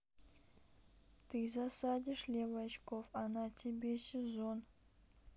ты засадишь левачков она тебе сезон